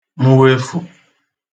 mwefù